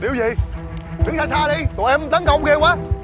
điu gì đứng ra xa đi tụi em tấn công ghê quá